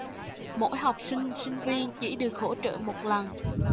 mỗi học sinh sinh viên chỉ được hỗ trợ một lần